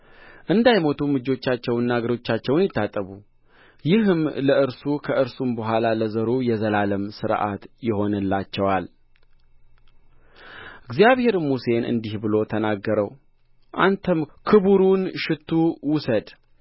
እንዳይሞቱም እጆቻቸውንና እግሮቻቸውን ይታጠቡ ይህም ለእርሱ ከእርሱም በኋላ ለዘሩ የዘላለም ሥርዓት ይሆንላቸዋል እግዚአብሔርም ሙሴን እንዲህ ብሎ ተናገረው አንተም ክቡሩን ሽቱ ውሰድ